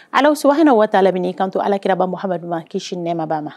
Ala so hinɛ waatita lam min'i kanto alakiraba ha amadudu kisi nɛma ba ma